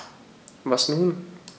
Was nun?